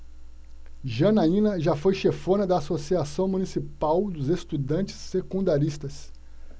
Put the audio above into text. janaina foi chefona da ames associação municipal dos estudantes secundaristas